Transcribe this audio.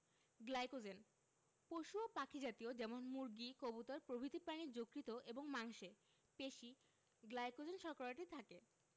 glycogen পশু ও পাখি জাতীয় যেমন মুরগি কবুতর প্রভৃতি প্রাণীর যকৃৎ এবং মাংসে পেশি গ্লাইকোজেন শর্করাটি থাকে